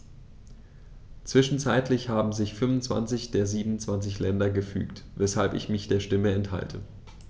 Zwischenzeitlich haben sich 25 der 27 Länder gefügt, weshalb ich mich der Stimme enthalte.